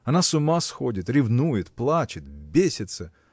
Она с ума сходит, ревнует, плачет, бесится.